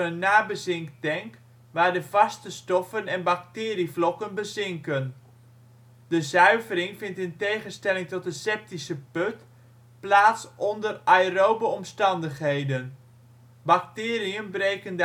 nabezinktank waar de vaste stoffen en bacterievlokken bezinken. De zuivering vindt in tegenstelling tot een septische put plaats onder aerobe omstandigheden. Bacteriën breken